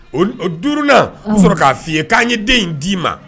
Duurunan sɔrɔ k'a f fɔi ye k'an ye den in d'i ma